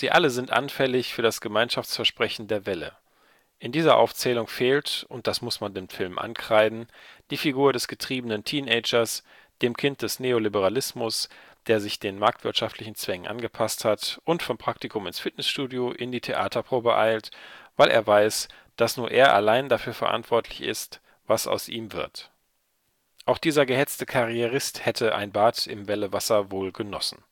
alle sind anfällig für das Gemeinschaftsversprechen der „ Welle “. In dieser Aufzählung fehlt, und das muss man dem Film ankreiden, die Figur des getriebenen Teenagers, dem Kind des Neoliberalismus, der sich den marktwirtschaftlichen Zwängen angepasst hat und vom Praktikum ins Fitnessstudio in die Theaterprobe eilt, weil er weiß, dass nur er allein dafür verantwortlich ist, was aus ihm wird. Auch dieser gehetzte Karrierist hätte ein Bad im Welle-Wasser wohl genossen